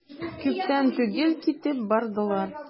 Күптән түгел китеп бардылар.